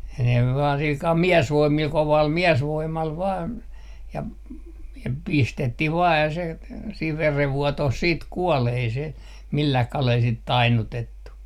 ne vain sillä kalella miesvoimilla kovalla miesvoimalla vain ja ja pistettiin vain ja se siinä verenvuotoon sitten kuoli ei se millään kalella sitten tainnutettu